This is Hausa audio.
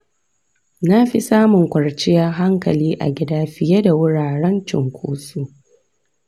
na fi samun kwanciyar hankali a gida fiye da wuraren cunkoso.